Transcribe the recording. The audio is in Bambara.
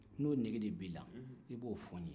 n'o nege de b'i la i bɔ fɔ n ye